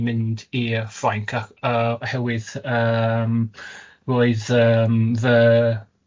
mynd i'r Ffrainc ach- yy oherwydd yym roedd yym fy